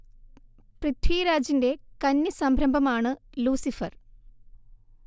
പൃഥ്വിരാജിന്റെ കന്നി സംരംഭമാണ് ലൂസിഫർ